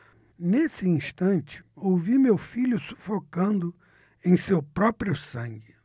nesse instante ouvi meu filho sufocando em seu próprio sangue